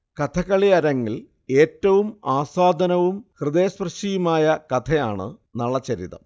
കഥകളിയരങ്ങിൽ ഏറ്റവും ആസ്വാദനവും ഹൃദയസ്പർശിയുമായ കഥയാണ് നളചരിതം